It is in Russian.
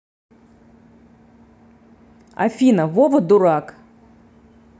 афина вова дурак